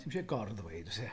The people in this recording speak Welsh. Ti ddim isie gorddweud oes e.